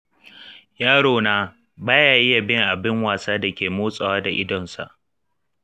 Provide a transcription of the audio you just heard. yarona ba ya iya bin abun wasan da ke motsawa da idanunsa.